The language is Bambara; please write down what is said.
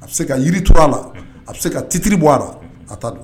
A bɛ se ka yiritura a la a bɛ se ka fitiriri bɔ a la a ta